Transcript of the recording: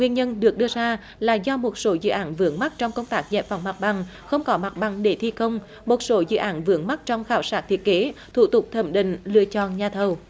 nguyên nhân được đưa ra là do một số dự án vướng mắc trong công tác giải phóng mặt bằng không có mặt bằng để thi công một số dự án vướng mắc trong khảo sát thiết kế thủ tục thẩm định lựa chọn nhà thầu